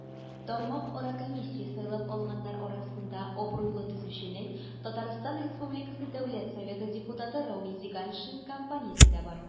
Тармакара комиссия сайлап алганнар арасында абруйлы төзүченең, ТР Дәүләт Советы депутаты Равил Зиганшин компаниясе дә бар.